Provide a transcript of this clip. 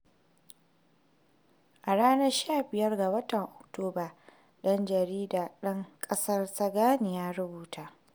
A ranar 15 ga watan Oktoba, ɗan jarida ɗan ƙasar ta Gini ya rubuta: